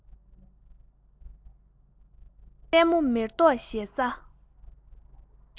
སྲས མོ མེ ཏོག བཞད ས